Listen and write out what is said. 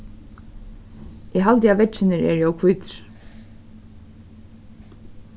eg haldi at veggirnir eru ov hvítir